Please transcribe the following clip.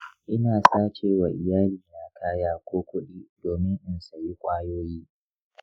ina sace wa iyalina kaya ko kuɗi domin in sayi ƙwayoyi.